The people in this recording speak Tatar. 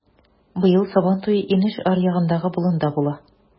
Быел Сабантуе инеш аръягындагы болында була.